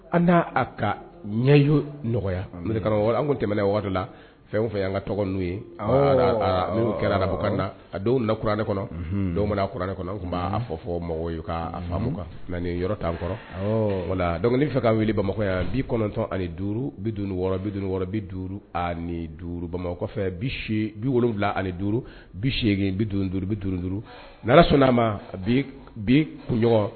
An'a a ka ɲɛ nɔgɔya an tɛmɛna waati la fɛn an ka n' kɛra a na kuranɛ kɔnɔ kuranɛ kɔnɔ'a fɔ mɔgɔw ka kan nka nin yɔrɔ tanankɔrɔ dɔgɔnin fɛ ka wele bamakɔ yan bi kɔnɔntɔn ani duuru bi wɔɔrɔ bi duuru ani duuru bamakɔ bi wolon wolonwula ani duuru bigin bi duuru bi duuru duuru ni sɔnna'a ma bi bi kunɲɔgɔn